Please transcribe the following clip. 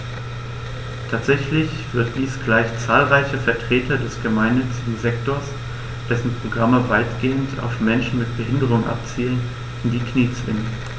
Tatsächlich wird dies gleich zahlreiche Vertreter des gemeinnützigen Sektors - dessen Programme weitgehend auf Menschen mit Behinderung abzielen - in die Knie zwingen.